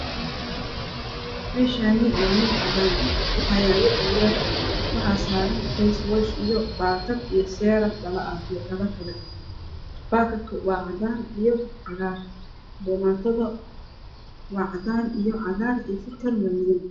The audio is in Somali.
Meeshaan waa meel cadaan ah waxaa yaalo alwaax waxaa saaran fashwaash iyo baakad iyo seeram dholo ah. Baakadka waa cadaan iyo cagaar. Boomaatada waa cadaan iyo cagaar kurkana waa madow.